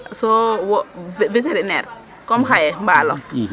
so wo vétérinaire comme xaye mbalof